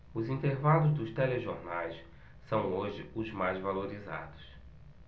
os intervalos dos telejornais são hoje os mais valorizados